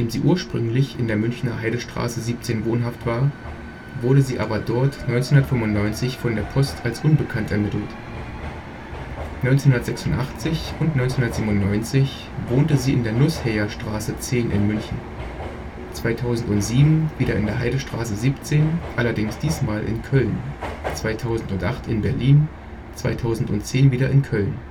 sie ursprünglich in der Münchener Heidestraße 17 wohnhaft war, wurde sie aber dort 1995 von der Post als „ unbekannt “ermittelt. 1986 und 1997 wohnte sie in der Nußhäherstraße 10 in München, 2007 wieder in der Heidestraße 17, allerdings diesmal in Köln, 2008 in Berlin, 2010 wieder in Köln